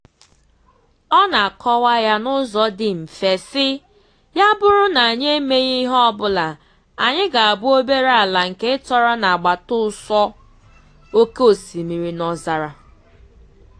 Ọ na-akọwa ya n’ụzọ dị mfe, sị: “Ya bụrụ na anyị emeghị ihe ọbụla, anyị ga-abụ obere ala nke tọrọ n’agbata ụsọ oké osimiri na ọzara.”